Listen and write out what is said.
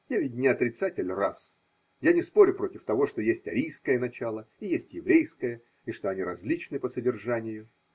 Я ведь не отрицатель рас, я не спорю против того, что есть арийское начало и есть еврейское и что они различны по содержанию.